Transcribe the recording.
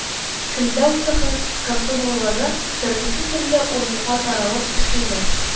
Көлләү цехы комсомоллары төрлесе төрле урынга таралып эшлиләр